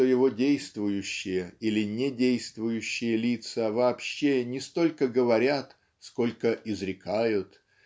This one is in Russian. что его действующие или недействующие лица вообще не столько говорят сколько изрекают